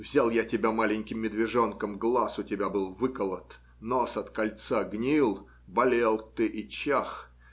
Взял я тебя маленьким медвежонком, глаз у тебя был выколот, нос от кольца гнил, болел ты и чах